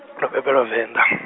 ndo bebelwa Venḓa .